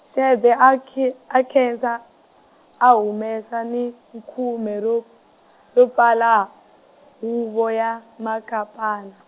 Xede a ki- a nkhensa, a humesa ni, u khume ro, ro pfala, huvo ya, Makapana.